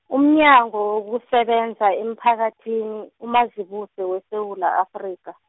umnyango wokuzisebenza emphakathini, uMazibuse weSewula Afrika.